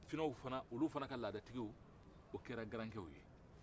finɛw fɛnɛ olu fɛnɛ ka ladtigiw o kɛra garankɛw ye